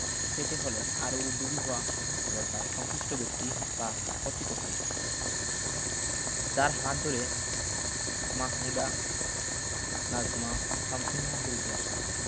পেতে হলে আরও উদ্যোগী হওয়া দরকার সংশ্লিষ্ট ব্যক্তি বা কর্তৃপক্ষের যাঁর হাত ধরে মাহমুদা নাজমা শামসুন্নাহারদের উঠে আসা